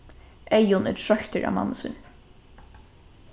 eyðun er troyttur av mammu síni